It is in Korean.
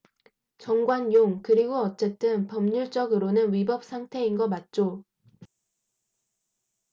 정관용 그리고 어쨌든 법률적으로는 위법 상태인 거 맞죠